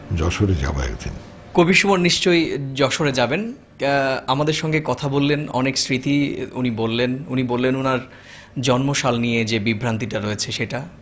যশোরে যাবো একদিন কবির সুমন নিশ্চয়ই যশোরে যাবেন আমাদের সঙ্গে কথা বললেন অনেক স্মৃতি উনি বললেন জন্ম সাল নিয়ে যে বিভ্রান্তি টা রয়েছে সেটা